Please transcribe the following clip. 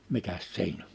mikäs siinä on